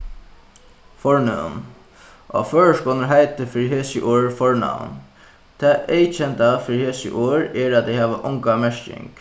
fornøvn á føroyskum er heitið fyri hesi orð fornavn tað eyðkenda fyri hesi orð er at tey hava onga merking